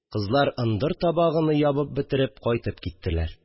Кызлар ындыр табагыны ябып бетереп кайтып киттеләр